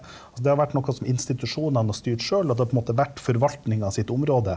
så det har vært noe som institusjonene har styrt sjøl, og det har på en måte vært forvaltninga sitt område.